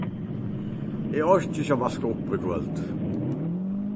eg orki ikki at vaska upp í kvøld